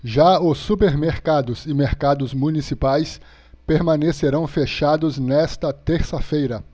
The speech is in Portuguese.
já os supermercados e mercados municipais permanecerão fechados nesta terça-feira